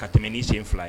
Ka tɛmɛ ni sen fila ye